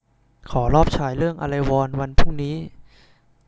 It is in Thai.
ขอรอบฉายเรื่องอะไรวอลวันพรุ่งนี้